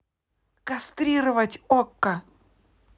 кастрировать okko